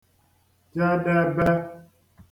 jedebe